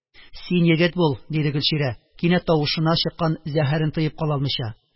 Син егет бул, – диде Гөлчирә, кинәт тавышына чыккан зәһәрен тыеп кала алмыйча,